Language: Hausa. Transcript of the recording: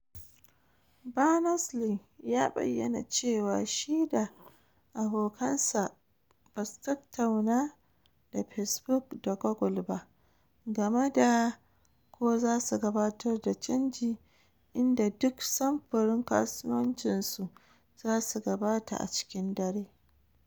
Berners-Lee ya bayyana cewa shi da abokansa ba su tatauna da "Facebook da Google ba game da ko za su gabatar da canji inda duk samfurin kasuwancin su za su gabata a cikin dare.